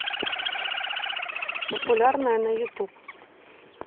популярное на ютуб